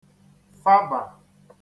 fabà